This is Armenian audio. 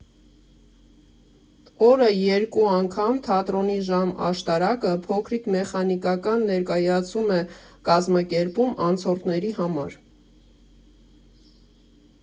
Օրը երկու անգամ թատրոնի ժամ֊աշտարակը փոքրիկ մեխանիկական ներկայացում է կազմակերպում անցորդների համար։